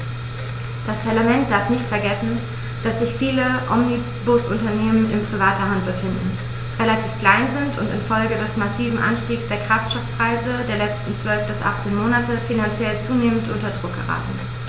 Dieses Parlament darf nicht vergessen, dass sich viele Omnibusunternehmen in privater Hand befinden, relativ klein sind und in Folge des massiven Anstiegs der Kraftstoffpreise der letzten 12 bis 18 Monate finanziell zunehmend unter Druck geraten.